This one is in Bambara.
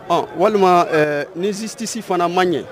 Walima ɛɛ nin si tɛsi fana man ɲɛ